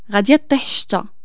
غادية طيح الشتا